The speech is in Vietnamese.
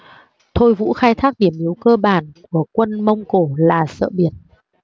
thôi vũ khai thác điểm yếu cơ bản của quân mông cổ là sợ biển